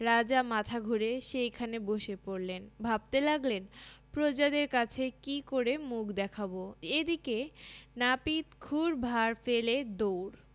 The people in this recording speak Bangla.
রাজা মাথা ঘুরে সেইখানে বসে পড়লেন ভাবতে লাগলেন প্রজাদের কাছে কী করে মুখ দেখাব এদিকে নাপিত ক্ষুর ভাঁড় ফেলে দৌড়